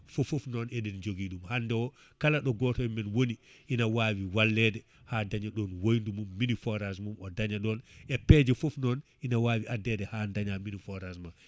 foofoof noon eɗen jogui ɗum hande o kala ɗo goto emen woni ina wawi wallede ha daña ɗon woyndu mum mini forage mum o daña ɗon e peeje foof noon ina wawi addede ha daña mini forage ma